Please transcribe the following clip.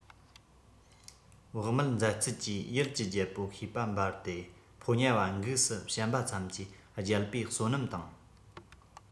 བག མེད མཛད ཚུལ གྱིས ཡུལ གྱི རྒྱལ པོ ཤེས པ འབར ཏེ ཕོ ཉ བ འགུགས སུ བཤམས པ ཙམ གྱིས རྒྱལ པོའི བསོད ནམས དང